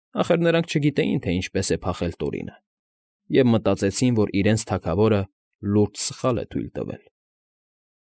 Ախր նրանք չգիտեին, թե ինչպես է փախել Տորինը, և մտածեցին, որ իրենց թագավորը լուրջ սխալ է թույլ տվել։